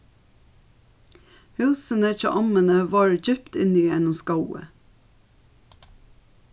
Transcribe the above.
húsini hjá ommuni vóru djúpt inni í einum skógi